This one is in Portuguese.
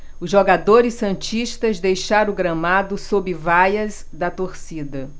os jogadores santistas deixaram o gramado sob vaias da torcida